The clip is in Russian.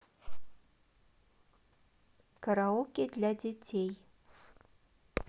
караоке для детей